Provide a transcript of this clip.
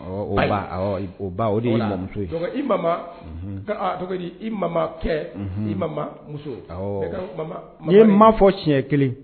O ba o muso ma di i mama kɛ i muso n ye maa fɔ siɲɛ kelen